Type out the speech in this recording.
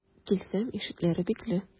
Килсәм, ишекләре бикле.